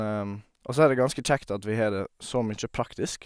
Og så er det ganske kjekt at vi har det så mye praktisk.